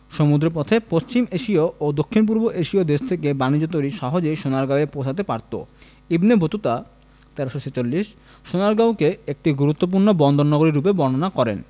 সমুদ্রপথে পশ্চিম এশীয় ও দক্ষিণপূর্ব এশীয় দেশ থেকে বাণিজ্য তরী সহজেই সোনারগাঁয়ে পৌঁছতে পারত ইবনে বতুতা ১৩৪৬ সোনারগাঁওকে একটি গুরুত্বপূর্ণ বন্দর নগরী রূপে বর্ণনা করেন